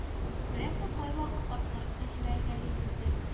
Күрәсең кайвакыт арттырып та җибәргәлибездер